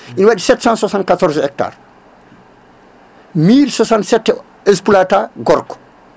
ne waɗi sept cent soixante quatorze hectares milles soixante sept exploita gorko